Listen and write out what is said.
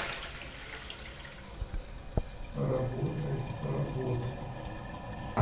работай работай